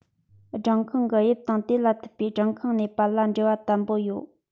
སྦྲང ཁང གི དབྱིབས དང དེ ལ མཐུད པའི སྦྲང ཁང གནས པ ལ འབྲེལ བ དམ པོ ཡོད